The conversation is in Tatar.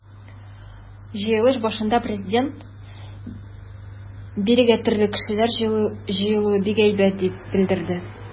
Җыелыш башында Президент: “Бирегә төрле кешеләр җыелуы бик әйбәт", - дип белдерде.